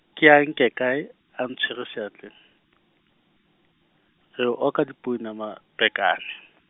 ke a nke kae, a ntshwere seatleng , re o oka dipounama, pekane.